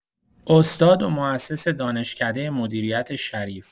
استاد و موسس دانشکده مدیریت شریف